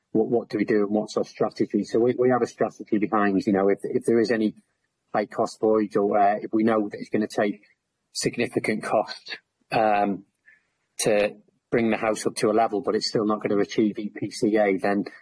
what what do we do, and what sort of strategy. So we we have a strategy behind you see, now if if there is any high cost void or where, if we know that it's going to take significant cost erm to bring the house up to a level but it's still not going to achieve Ee Pee See Ay, then